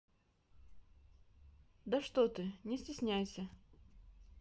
да что ты не стесняйся